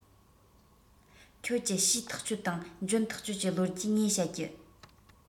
ཁྱོད ཀྱིས བྱས ཐག ཆོད དང འཇོན ཐག ཆོད ཀྱི ལོ རྒྱུས ངས བཤད ཀྱིས